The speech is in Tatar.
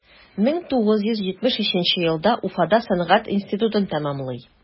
1973 елда уфада сәнгать институтын тәмамлый.